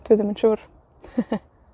Dwi ddim yn siŵr.